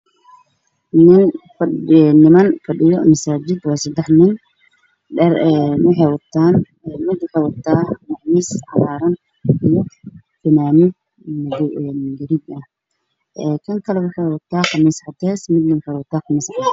Niman fadhiya masa jid wa sadex nin nin wuxu wata qamis cagaran funanad gudud ab Kani kale wuxu wata qamis cadan ah